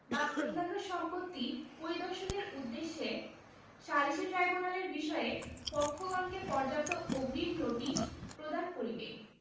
বা অন্যান্য সম্পত্তি পরিদর্শনের উদ্দেশ্যে সালিসী ট্রাইব্যুনালের বিষয়ে পক্ষগণকে পর্যাপ্ত অগ্রিম নোটিশ প্রদান করিবে